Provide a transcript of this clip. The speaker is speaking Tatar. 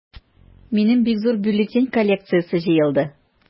Минем бик зур бюллетень коллекциясе җыелды.